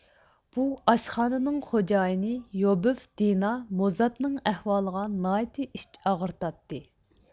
بۇ ئاشخاننىڭ خوجايىنى يوبىف دىنا موزاتنىڭ ئەھۋالىغان ناھايىتى ئىچ ئاغرىتاتتى